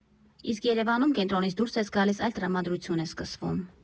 Իսկ Երևանում կենտրոնից դուրս ես գալիս, այլ տրամադրություն է սկսվում։